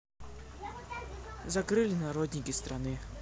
закрыли народники страны